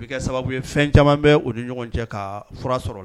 U bɛ kɛ sababu ye fɛn caman bɛ o ni ɲɔgɔn cɛ ka fura sɔrɔ la